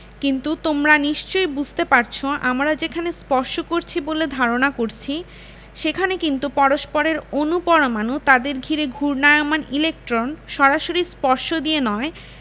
কিন্তু তোমরা নিশ্চয়ই বুঝতে পারছ আমরা যেখানে স্পর্শ করছি বলে ধারণা করছি সেখানে কিন্তু পরস্পরের অণু পরমাণু তাদের ঘিরে ঘূর্ণায়মান ইলেকট্রন সরাসরি স্পর্শ দিয়ে নয়